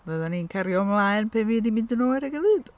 Fyddwn ni'n cario ymlaen pan fydd ni'n mynd yn ôl at ei gilydd?